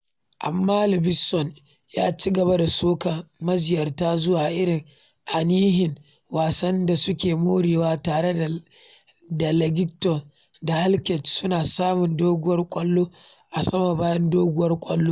Amma Livingston ya ci gaba da soka maziyartan zuwa irin ainihin wasan da suke morewa, tare daLithgow da Halkett suna samun doguwar ƙwallo a sama a bayan doguwar ƙwallo.